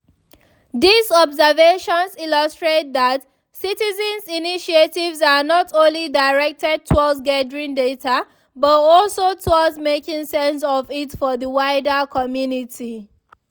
These observations illustrate that citizen initiatives are not only directed towards gathering data but also towards making sense of it for the wider community.